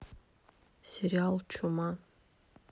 сериал чума